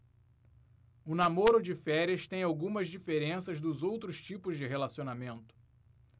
o namoro de férias tem algumas diferenças dos outros tipos de relacionamento